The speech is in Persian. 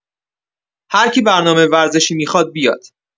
هرکی برنامه ورزشی میخواد بیاد